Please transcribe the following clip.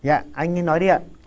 dạ anh nên nói đi ạ